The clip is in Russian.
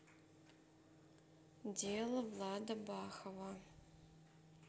дело влада бахова